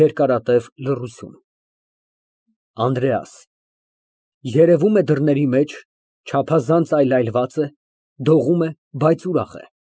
Երկարատև լռություն։ ԱՆԴՐԵԱՍ ֊ (Երևում է դռների մեջ, չափազանց այլայլված է, դողում է, բայց ուրախ է։